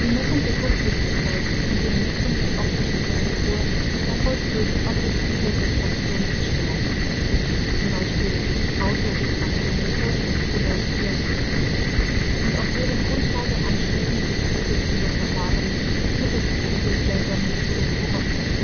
Messung der Kurzsichtigkeit und die Ermittlung der optischen Korrektur erfolgt durch objektive Refraktionsbestimmung (z. B. Autorefraktometer oder Skiaskopie) und auf deren Grundlage anschließend durch subjektive Verfahren mittels Probiergläsern oder Phoropter